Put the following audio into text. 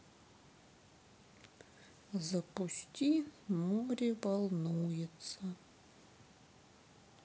запусти море волнуется